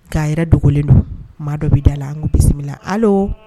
K'a yɛrɛ dogolen don maa dɔ be da la an ŋ'o bisimila allo